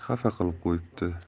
xafa qilib qo'yibdi